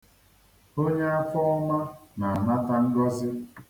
Onye afọọma na-anata ngọzi.